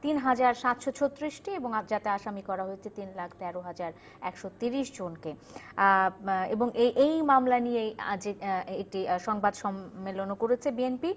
৩৭৩৬ টি এবং যাতে আসামি করা হয়েছে ৩ লাখ ১৩ হাজার ১৩০ জন কে এবং এই মামলা নিয়ে আজ একটি সংবাদ সম্মেলন ও করেছে বিএনপি